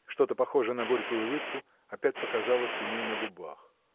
Что-то похожее на горькую улыбку опять показалось у ней на губах.